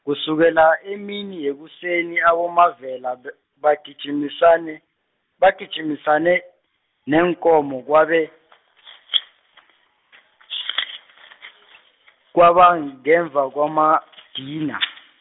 kusukela emini yekuseni aboMavela be- bagijimisane, bagijimisane, neenkomo kwabe, kwaba ngemva kwamadina.